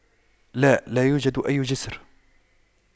لاء لا يوجد أي جسر